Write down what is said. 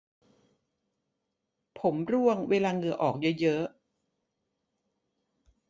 ผมร่วงเวลาเหงื่อออกเยอะเยอะ